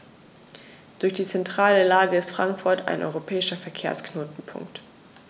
Durch die zentrale Lage ist Frankfurt ein europäischer Verkehrsknotenpunkt.